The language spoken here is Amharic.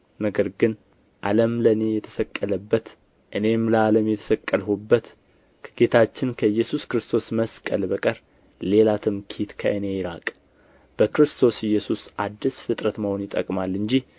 ነገር ግን ዓለም ለእኔ የተሰቀለበት እኔም ለዓለም የተሰቀልሁበት ከጌታችን ከኢየሱስ ክርስቶስ መስቀል በቀር ሌላ ትምክህት ከእኔ ይራቅ በክርስቶስ ኢየሱስ አዲስ ፍጥረት መሆን ይጠቅማል እንጂ